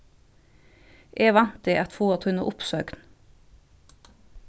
eg vænti at fáa tína uppsøgn